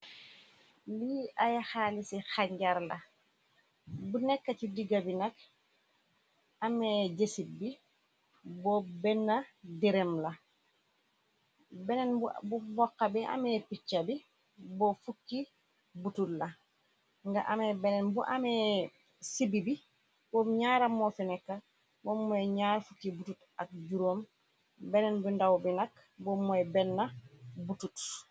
Lii ay xaali ci xanjar la bu nekk ci diga bi nag amee jesit bi boo benna direm la benneen bu mboxa bi amée picca bi bo fukki butut la nga ame benneen bu amee sibbi bi bo m ñaaram moofu nekk boo mooy ñaar fukki butut ak juróom benneen bu ndaw bi nak bo mooy benna butut.